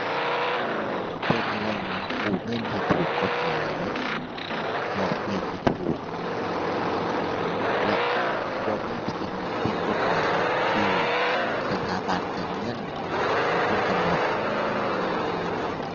เป็นแหล่งกู้เงินที่ถูกกฎหมาย ดอกเบี้ยที่ถูก และบ่มีสิ่งผิดกฎหมายที่สถาบันการเงินเป็นคนกำหนด